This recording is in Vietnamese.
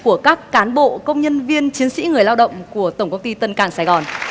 của các cán bộ công nhân viên chiến sĩ người lao động của tổng công ty tân cảng sài gòn